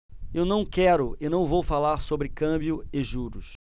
eu não quero e não vou falar sobre câmbio e juros